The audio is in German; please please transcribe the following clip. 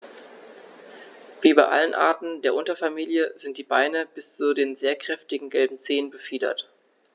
Wie bei allen Arten der Unterfamilie sind die Beine bis zu den sehr kräftigen gelben Zehen befiedert.